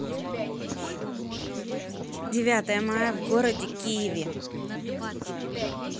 девятое мая в городе киеве